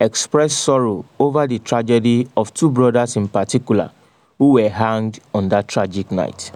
expressed sorrow over the tragedy of two brothers in particular who were hanged on that tragic night: